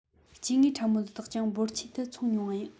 སྐྱེ དངོས ཕྲ མོ འདི དག ཀྱང འབོར ཆེན དུ འཚོ མྱོང བ ཡིན